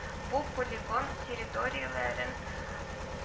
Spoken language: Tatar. Бу полигон территорияләрен